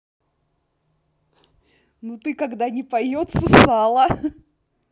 ну ты когда не поется сало